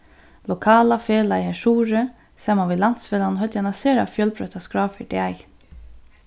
lokala felagið har suðuri saman við landsfelagnum høvdu eina sera fjølbroytta skrá fyri dagin